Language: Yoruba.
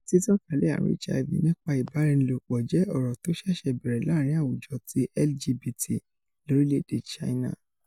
Títaǹkalẹ̀ ààrùn HIV nípa ìbáraẹnilòpọ̀ jẹ ọrọ tóṣẹ̀ṣẹ̀ bẹ̀rẹ̀ láàrin àwùjọ ti LGBT lorílẹ̀-èdè Ṣáínà.